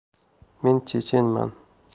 men chechenman